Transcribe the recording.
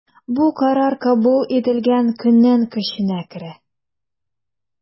Бу карар кабул ителгән көннән көченә керә.